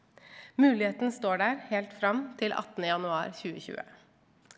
muligheten står der helt fram til attende januar tjuetjue.